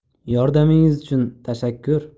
yordamingiz uchun tashakkur